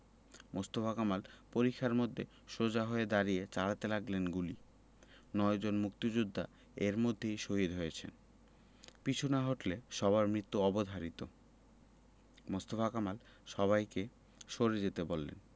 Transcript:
মোস্তফা কামাল পরিখার মধ্যে সোজা হয়ে দাঁড়িয়ে চালাতে লাগলেন গুলি নয়জন মুক্তিযোদ্ধা এর মধ্যেই শহিদ হয়েছেন পিছু না হটলে সবার মৃত্যু অবধারিত মোস্তফা কামাল সবাইকে সরে যেতে বললেন